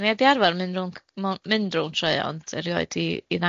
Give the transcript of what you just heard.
so di arfar mynd ro- cymd rownd sioea ond erioed di i ddangos